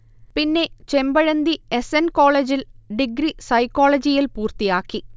പിന്നെ, Chempazhanthy S. N. കോളജിൽ degree സൈക്കോളജിയിൽ പൂർത്തിയാക്കി